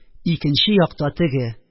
Икенче якта – теге...